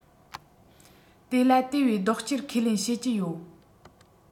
དེ ལ དེ བས ལྡོག སྐྱེལ ཁས ལེན བྱེད ཀྱི ཡོད